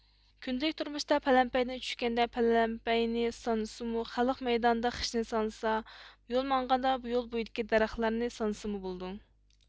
كۈندىلىك تۇرمۇشتا پەلەمپەيدىن چۈشكەندە پەلەمپەينى سانىسىمۇ خەلق مەيدانىدا خىشنى سانىسا يول ماڭغاندا يول بويىدىكى دەرەخلەرنى سانىسىمۇ بولىدۇ